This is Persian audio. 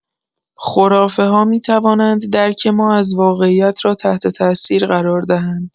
خرافه‌ها می‌توانند درک ما از واقعیت را تحت‌تاثیر قرار دهند.